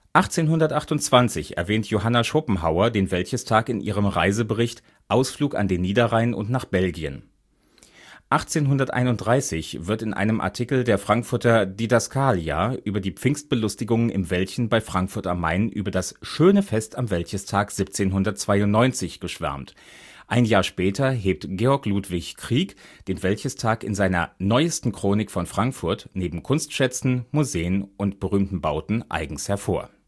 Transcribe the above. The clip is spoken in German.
1828 erwähnt Johanna Schopenhauer den Wäldchestag in ihrem Reisebericht Ausflug an den Niederrhein und nach Belgien. 1831 wird in einem Artikel der Frankfurter Didaskalia über die Pfingstbelustigungen im Wäldchen bei Frankfurt am Main über das „ schöne Fest am Wäldchestag 1792 “geschwärmt, ein Jahr später hebt Georg Ludwig Kriegk den Wäldchestag in seiner Neuesten Chronik von Frankfurt neben Kunstschätzen, Museen und berühmten Bauten eigens hervor